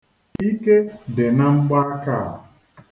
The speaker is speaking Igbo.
Ike di na mgbaaka a.